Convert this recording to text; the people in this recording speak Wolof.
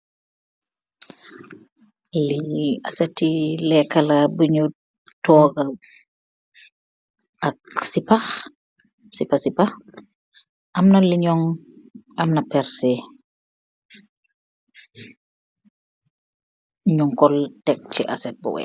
Li asseti legah laah , bujuh togaah ak sepah, Sepah sepah , emm na lejonn , emm na perssi , nun kooh teek si asset bu weeh.